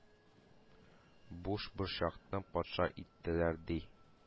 — бушборчакны патша иттеләр, ди.